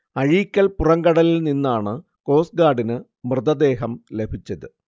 അഴീക്കൽ പുറംകടലിൽ നിന്നാണ് കോസ്റ്റ്ഗാർഡിന് മൃതദേഹം ലഭിച്ചത്